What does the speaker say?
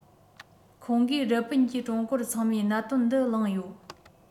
ཁོང གིས རི པིན གྱིས ཀྲུང གོར ཚང མས གནད དོན འདི གླེང ཡོད